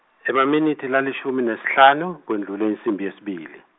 emaminitsi lalishumi nesihlanu, kwendlule insimbi yesibili.